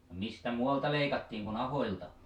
mistä muualta leikattiin kuin ahoilta